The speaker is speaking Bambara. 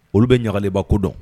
Olu be ɲagaliba ko dɔn